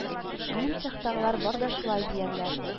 Минем цехтагы лар бар да шулай диярләр